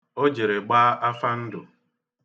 O jere gbaa afa ndụ.